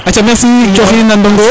aca merci coxi ina Ndongo